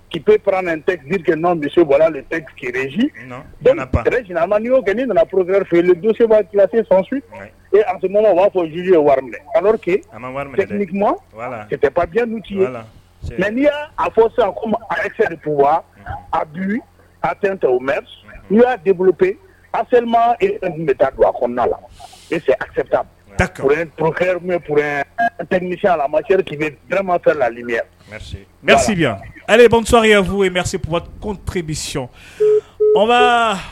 K kipɛ tɛ g n nɔ bɛ se bɔra tɛrere ma'oin nana purpre feere du sebalati fɛn ee a kɔnɔ ba fɔ jiri ye wari minɛ ake ka tɛ pad ci la mɛ n'i' a fɔ se kɔmiri wa a bi a tɛ tɛ o mɛ u y'a de pe a sema e bɛ taa don a kɔnɔna la ese aur pɛ purɛ la mabirɛma lalimiya mɛsi ale ye ye f' ye masikunbisi nba